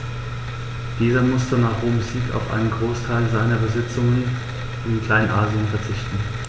Dieser musste nach Roms Sieg auf einen Großteil seiner Besitzungen in Kleinasien verzichten.